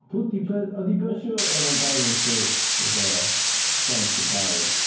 Pwy 'di Ber-... Ydy Bert-... Mae'n siŵr bod o'n driving school sponsored by...